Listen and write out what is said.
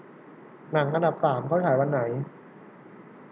หนังอันดับสามเข้าฉายวันไหน